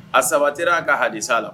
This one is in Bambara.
A saba tɛ aa ka ha sa la